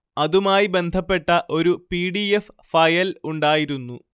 അതുമായി ബന്ധപ്പെട്ട ഒരു പി ഡി എഫ് ഫയൽ ഉണ്ടായിരുന്നു